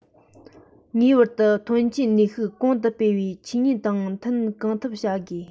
ངེས པར དུ ཐོན སྐྱེད ནུས ཤུགས གོང དུ འཕེལ བའི ཆོས ཉིད དང མཐུན གང ཐུབ བྱ དགོ